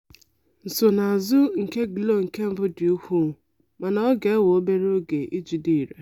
Nsonaazụ nke Glo-1 dị ukwuu, mana ọ ga-ewe obere oge iji dị irè.